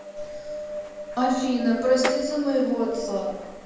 афина прости за моего отца